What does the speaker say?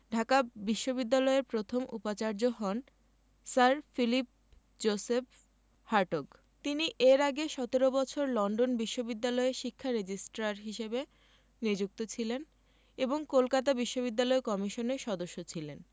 ঢাকা বিশ্ববিদ্যালয়ের প্রথম উপাচার্য হন স্যার ফিলিপ জোসেফ হার্টগ তিনি এর আগে ১৭ বছর লন্ডন বিশ্ববিদ্যালয়ের শিক্ষা রেজিস্ট্রার হিসেবে নিযুক্ত ছিলেন এবং কলকাতা বিশ্ববিদ্যালয় কমিশনের সদস্য ছিলেন